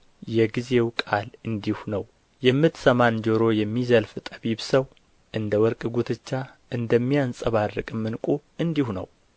የጊዜው ቃል እንዲሁ ነው የምትሰማን ጆሮ የሚዘልፍ ጠቢብ ሰው እንደ ወርቅ ጉትቻ እንደሚያንጸባርቅም ዕንቍ እንዲሁ ነው